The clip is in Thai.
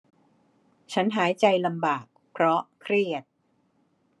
ฉันหายใจลำบากเพราะเครียด